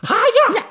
Ha-ya!